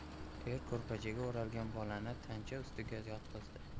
er ko'rpachaga o'ralgan bolani tancha ustiga yotqizdi